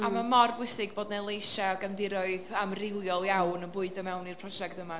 A ma' mor bwysig bod 'na leisiau o gefndiroedd amrywiol iawn yn bwydo mewn i'r prosiect yma.